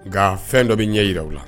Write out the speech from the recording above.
Nka fɛn dɔ bɛ ɲɛ jira aw la.